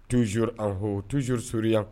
Tzo anh to surri